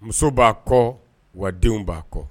Muso b'a kɔ wadenw b'a kɔ